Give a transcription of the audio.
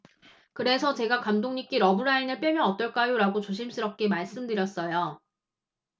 그래서 제가 감독님께 러브라인을 빼면 어떨까요라고 조심스럽게 말씀드렸어요